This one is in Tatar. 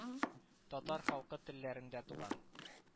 Татар халкы телләрендә туган